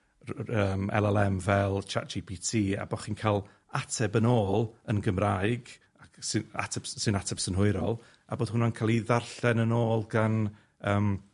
ry- ry- yym El El Em fel Chat Gee Pee Tee, a bo' chi'n ca'l ateb yn ôl yn Gymraeg, sydd ateb s- sy'n ateb synhwyrol, a bod hwnna'n ca'l 'i ddarllen yn ôl gan yym